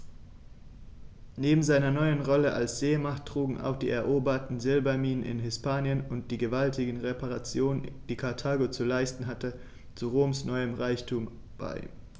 Neben seiner neuen Rolle als Seemacht trugen auch die eroberten Silberminen in Hispanien und die gewaltigen Reparationen, die Karthago zu leisten hatte, zu Roms neuem Reichtum bei.